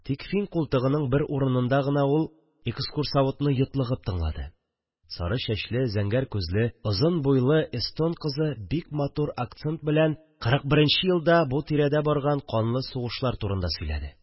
Тик Фин култыгының бер урынында гына ул экскурсоводны йотлыгып тыңлады – сары чәчле, зәңгәр күзле, озын буйлы эстон кызы бик матур акцент белән кырык беренче елда бу тирәдә барган канлы сугышлар турында сөйләде